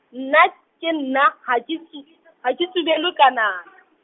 nna, ke nna, ha ke tsu- ha ke tsubelwe kana- .